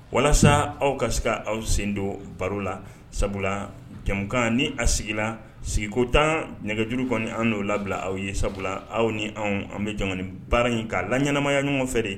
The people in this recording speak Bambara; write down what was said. Walasa aw ka se aw sen don baro la sabula jamukan ni a sigila sigiko tan nɛgɛjuru kɔni an'o labila aw ye sabula aw ni an bɛ jamana baara in'a la ɲɛnaanamaya ɲɔgɔn fɛ de